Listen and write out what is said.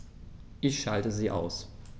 Ich schalte sie aus.